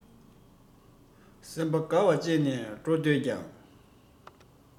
སེམས པ དཀའ བ སྤྱད ནས འགྲོ འདོད ཀྱང